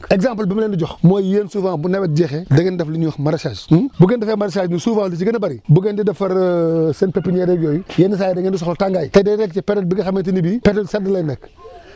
exemple bi ma leen di jox mooy yéen souvent bu nawet jeexee da ngeen def lu ñuy wax maraichage bu ngeen defee maraichage bi souvent li si gën a bëri bu ngeen di defar seen pépinière yeeg yooyu yenn saa yi da ngeen di soxla tàngaay te day nekk si période bi nga xamante ni bii période sedd lay nekk